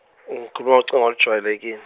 ngikhuluma ngocingo olujwayelekil-.